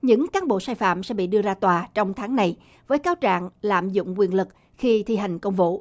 những cán bộ sai phạm sẽ bị đưa ra tòa trong tháng này với cáo trạng lạm dụng quyền lực khi thi hành công vụ